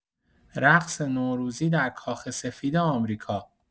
رقص نوروزی در کاخ سفید آمریکا